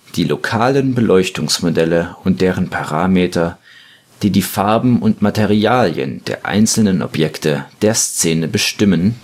die lokalen Beleuchtungsmodelle und deren Parameter, die die Farben und Materialien der einzelnen Objekte der Szene bestimmen